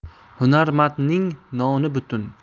hunarmandning noni butun